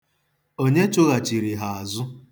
Onye chụghachiri ha azụ.